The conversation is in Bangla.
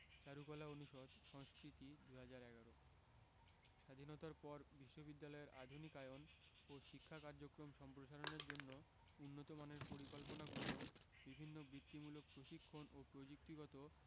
চারুকলা অনুষদ সংস্কৃতি ২০১১ স্বাধীনতার পর বিশ্ববিদ্যালয়ের আধুনিকায়ন ও শিক্ষা কার্যক্রম সম্প্রসারণের জন্য উন্নতমানের পরিকল্পনা গ্রহণ বিভিন্ন বৃত্তিমূলক প্রশিক্ষণ ও প্রযুক্তিগত